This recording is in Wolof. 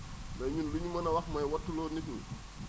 mais ñun li ñu mën a wax mooy wattuloo nit ñi